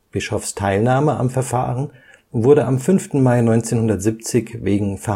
Bischoffs Teilnahme am Verfahren wurde am 5. Mai 1970 wegen Verhandlungsunfähigkeit